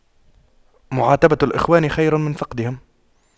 معاتبة الإخوان خير من فقدهم